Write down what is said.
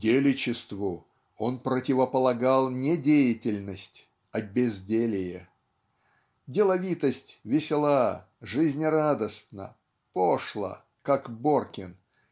делечеству он противополагал не деятельность а безделие. Деловитость весела жизнерадостна пошла как Боркин